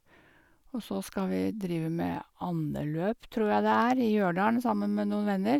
Og så skal vi drive med andeløp, tror jeg det er, i Ljørdalen sammen med noen venner.